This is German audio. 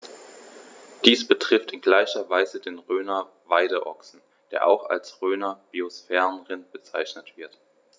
Dies betrifft in gleicher Weise den Rhöner Weideochsen, der auch als Rhöner Biosphärenrind bezeichnet wird.